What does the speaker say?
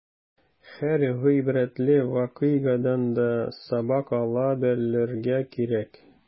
Һәр гыйбрәтле вакыйгадан да сабак ала белергә кирәк.